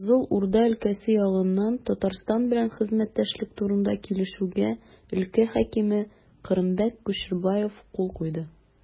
Кызыл Урда өлкәсе ягыннан Татарстан белән хезмәттәшлек турында килешүгә өлкә хакиме Кырымбәк Кушербаев кул куйды.